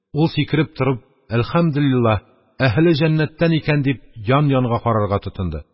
Ул, сикереп торып: «әлхәмдүлиллаһ, әһле җәннәттән икән», – дип, ян-янга карарга тотынды